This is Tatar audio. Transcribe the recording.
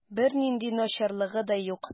Бернинди начарлыгы да юк.